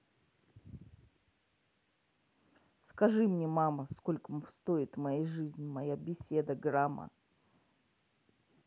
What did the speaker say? скажи мне мама сколько стоит моя жизнь моя беседа грамма